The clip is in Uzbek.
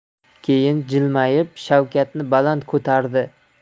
keyin jilmayib shavkatni baland ko'tardi